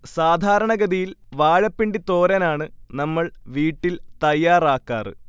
സാധാരണഗതിയിൽ വാഴപ്പിണ്ടി തോരനാണ് നമ്മൾ വീട്ടിൽ തയ്യാറാക്കാറ്